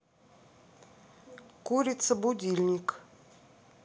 курица будильник